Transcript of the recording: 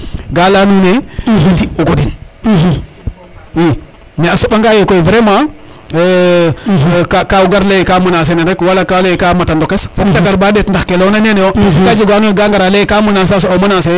ga leya nuun ne reti o godin i mais a soɓa nga ye koy vraiment ka o gar leye ka menancer nene rek wala o leye ka mata ndokos fok te gar ba ɗet ndax ke leyona nene yo parce que ka jeg wa ando naye ka ngara leya ka menancer a soɓa menancer